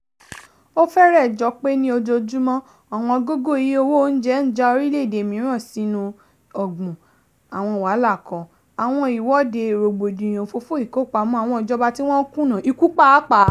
Ó fẹ́rẹ̀ jọ pé, ní ojoojúmọ́, ọ̀wọ́ngógó iye owó oúnjẹ ń já orílẹ̀-èdè mìíràn sínú ọ̀gbùn àwọn wàhálà kan: àwọn ìwọ́de, rògbòdìyàn, òfófó ìkópamọ́, àwọn ìjọba tí wọ́n ń kùnà, ikú pàápàá.